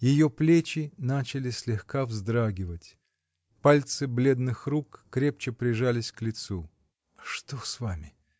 Ее плечи начали слегка вздрагивать, пальцы бледных рук крепче прижались к лицу. -- Что с вами?